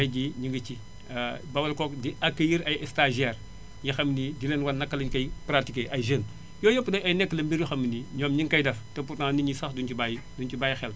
tay jii ñu ngi ci boole koog di accueillir ay stagiaires yoo xam nii di leen wan naka lañu koy pratiqué ay jeunes yooyu yépp day ay nekk na mbir yoo xam ni ñoom ñu ngi koy def te pourtant nit ñi sax duñu ci bàyyi xel